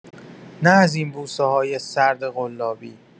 نه از این بوسه‌های سرد قلابی.